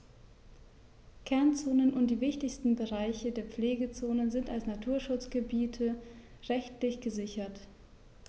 Kernzonen und die wichtigsten Bereiche der Pflegezone sind als Naturschutzgebiete rechtlich gesichert.